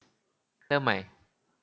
เริ่มใหม่